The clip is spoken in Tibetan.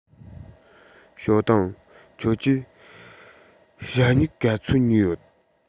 ཞའོ ཏུང ཁྱོད ཀྱིས ཞྭ སྨྱུག ག ཚོད ཉོས ཡོད